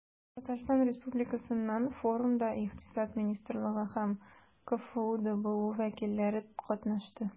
Татарстан Республикасыннан форумда Икътисад министрлыгы һәм КФҮ ДБУ вәкилләре катнашты.